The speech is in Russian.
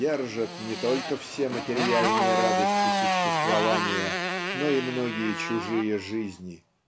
держат не только все материальные радости существования но и многие чужие жизни.